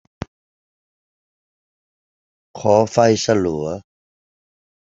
ขอไฟสลัว